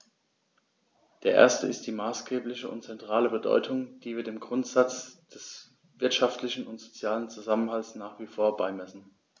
Der erste ist die maßgebliche und zentrale Bedeutung, die wir dem Grundsatz des wirtschaftlichen und sozialen Zusammenhalts nach wie vor beimessen.